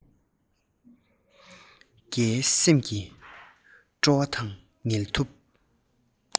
འགའི སེམས ཀྱི སྐྱོ བ དང ངལ དུབ